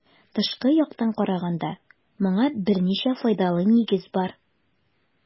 Тышкы яктан караганда моңа берничә файдалы нигез бар.